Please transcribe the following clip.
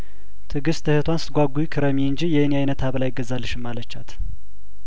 ትግስት እህቷን ስትጓጉ ክረሚ እንጂ የኔን አይነት ሀብል አይገዛልሽም አለቻት